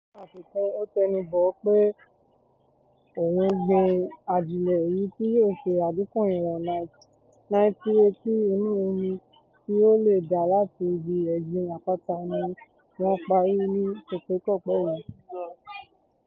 Ní àfikún, ó tẹnumọ́ọ pé ohun ọ̀gbìn ajílẹ̀, èyí tí yóò ṣe àdínkù ìwọ̀n náítírèètì inú omi tí ó lédan láti ibi ẹ̀gbin àpáta, ni wọ́n parí ní kòpẹ́kòpẹ́ yìí.